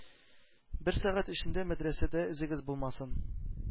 Бер сәгать эчендә мәдрәсәдә эзегез булмасын!